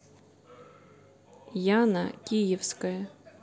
яна киевская